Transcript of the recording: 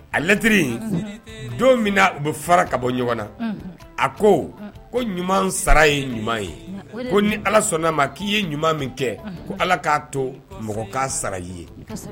Alɛtri don min u bɛ fara ka bɔ ɲɔgɔn na a ko ko ɲuman sara ye ɲuman ye ko ni ala sɔnna'a ma k'i ye ɲuman min kɛ ko ala k'a to mɔgɔ k'a sara i ye